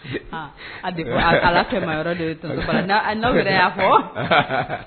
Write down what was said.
A ala tɛmɛ n' yɛrɛ y'a fɔ